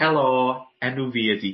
Helo enw fi ydi...